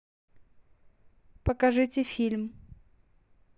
покажите фильм